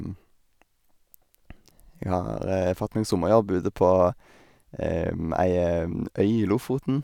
Jeg har fått meg sommerjobb ute på ei øy i Lofoten.